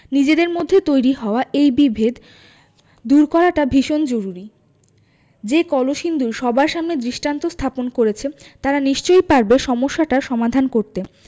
নিজেদের মধ্যে তৈরি হওয়া এই বিভেদ দূর করাটা ভীষণ জরুরি যে কলসিন্দুর সবার সামনে দৃষ্টান্ত স্থাপন করেছে তারা নিশ্চয়ই পারবে সমস্যাটার সমাধান করতে